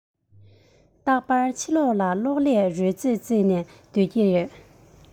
རྟག པར ཕྱི ལོག ལ གློག ཀླད རོལ རྩེད རྩེད ནས སྡོད ཀྱི ཡོད རེད